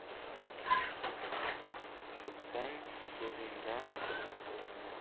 tursang so'zingda hurmat o'zingda